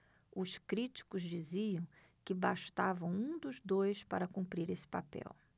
os críticos diziam que bastava um dos dois para cumprir esse papel